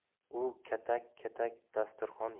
u katak katak dasturxon